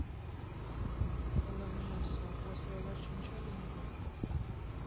Հըլը մի ասա՝ բա սրա վերջը ի՞նչ ա լինելու։